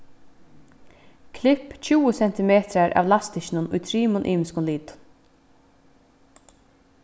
klipp tjúgu sentimetrar av lastikkinum í trimum ymiskum litum